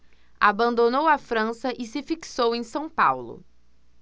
abandonou a frança e se fixou em são paulo